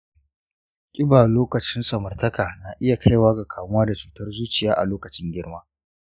ƙiba lokacin samartaka na iya kaiwa ga kamuwa da cutar zuciya a lokacin girma.